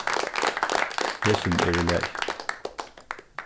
hesin er í lagi